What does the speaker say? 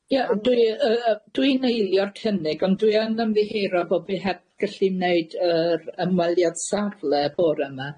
Ie, dwi- yy yy dwi'n eilio'r cynnig, ond dwi yn ymddiheuro bo' fi heb gellu neud yr ymweliad safle y bore 'ma.